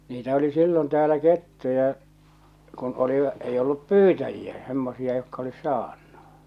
niitä oli silloin täällä kettuja kun oli ei ollut pyytäjiä semmoisia jotka olisi saanut